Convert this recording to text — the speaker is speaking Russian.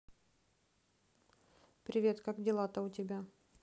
привет как дела то у тебя